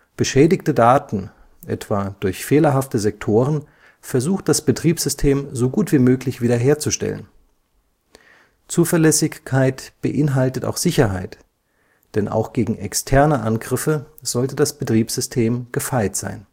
Beschädigte Daten, etwa durch fehlerhafte Sektoren, versucht das Betriebssystem so gut wie möglich wiederherzustellen. Zuverlässigkeit beinhaltet auch Sicherheit, denn auch gegen externe Angriffe sollte das Betriebssystem gefeit sein